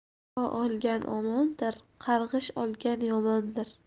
duo olgan omondir qarg'ish olgan yomondir